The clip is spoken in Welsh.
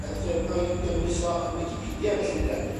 yr ffyrdd o 'i gynnwys o yn wicipidia felly ynde.